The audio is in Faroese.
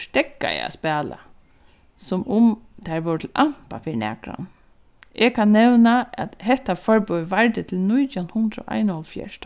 steðgaðar at spæla sum um tær vóru til ampa fyri nakran eg kann nevna at hetta forboðið vardi til nítjan hundrað og einoghálvfjerðs